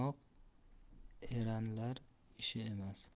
aytmoq eranlar ishi emas